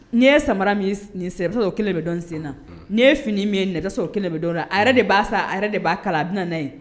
N'i ye samara nin o kelen bɛ don sen na ni ye fini min ye o kelen bɛ dɔn a de'a yɛrɛ de b'a kalan a bɛna n' ye